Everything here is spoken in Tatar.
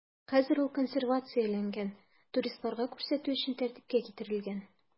Хәзер ул консервацияләнгән, туристларга күрсәтү өчен тәртипкә китерелгән.